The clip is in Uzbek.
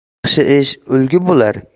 yaxshi ish ulgi bo'lar